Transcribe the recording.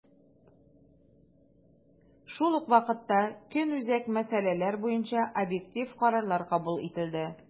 Шул ук вакытта, көнүзәк мәсьәләләр буенча объектив карарлар кабул ителде.